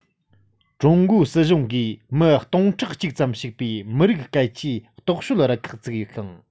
ཀྲུང གོའི སྲིད གཞུང གིས མི སྟོང ཕྲག གཅིག ཙམ ཞུགས པའི མི རིགས སྐད ཆའི རྟོག དཔྱོད རུ ཁག བཙུགས ཤིང